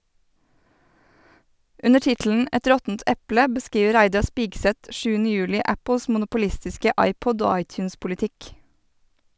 Under tittelen "Et råttent eple" beskriver Reidar Spigseth 7. juli Apples monopolistiske iPod- og iTunes-politikk.